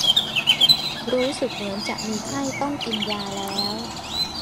รู้สึกเหมือนจะมีไข้ต้องกินยาแล้ว